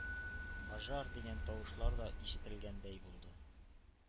”пожар“ дигән тавышлар да ишетелгәндәй булды,